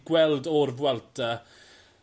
gweld o'r Vuelta